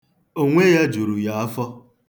Onwe ya juru ya afọ